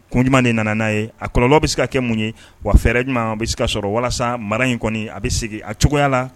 Kun ɲumanuma de nana n'a ye a kɔlɔlɔ bɛ se ka kɛ mun ye wa fɛɛrɛ ɲuman bɛ se ka sɔrɔ walasa mara in kɔni a bɛ segin a cogoya la